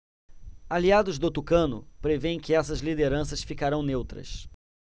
aliados do tucano prevêem que essas lideranças ficarão neutras